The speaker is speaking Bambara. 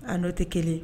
A n'o tɛ kelen